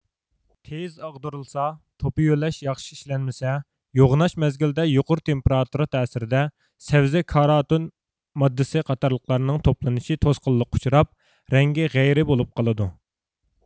تېيىز ئاغدۇرۇلسا توپا يۆلەش ياخشى ئىشلەنمىسە يوغىناش مەزگىلدە يۇقىرى تېمپېراتۇرا تەسىرىدە سەۋزە كاروتىن ماددىسى قاتارلىقلارنىڭ توپلىنىشى توسقۇنلۇققا ئۇچراپ رەڭگى غەيرىي بولۇپ قالىدۇ